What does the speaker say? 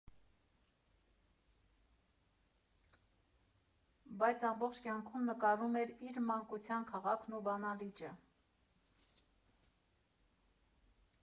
Բայց ամբողջ կյանքում նկարում էր իր մանկության քաղաքն ու Վանա լիճը։